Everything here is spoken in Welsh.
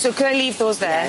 So can I leave those there?